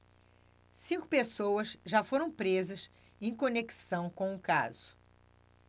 cinco pessoas já foram presas em conexão com o caso